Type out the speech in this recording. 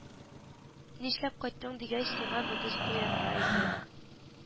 Нишләп кайттың дигәч сиңа мөгез куярга диде